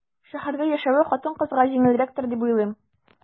Шәһәрдә яшәве хатын-кызга җиңелрәктер дип уйлыйм.